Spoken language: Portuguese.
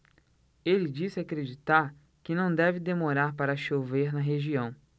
ele disse acreditar que não deve demorar para chover na região